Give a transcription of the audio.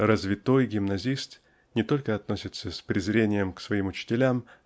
"Развитой" гимназист не только относится с презрением к своим учителям